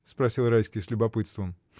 — спросил Райский с любопытством.